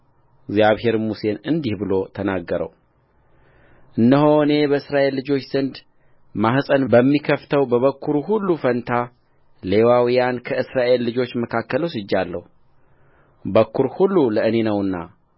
እግዚአብሔርም ሙሴን እንዲህ ብሎ ተናገረውእነሆ እኔ በእስራኤል ልጆች ዘንድ ማኅፀን በሚከፍተው በበኵሩ ሁሉ ፋንታ ሌዋውያንን ከእስራኤል ልጆች መካከል ወስጄአለሁበኵር ሁሉ ለእኔ ነውና